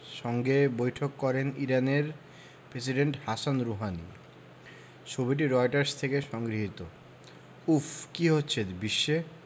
সঙ্গে বৈঠক করেন ইরানের প্রেসিডেন্ট হাসান রুহানি ছবিটি রয়টার্স থেকে সংগৃহীত উফ্ কী হচ্ছে বিশ্বে